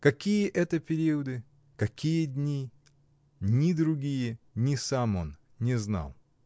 Какие это периоды, какие дни — ни другие, ни сам он не знал.